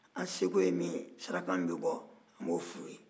an seko ye min ye saraka min bɛ bɔ an b'o f'u ye